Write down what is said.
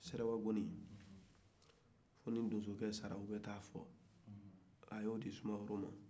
donso gɔnin fo ni donsokɛ saara f'u bɛ taa'a fɔ a y'o di sumaworo ma